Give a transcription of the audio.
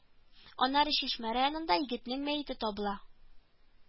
Аннары Чишмә районында егетнең мәете табыла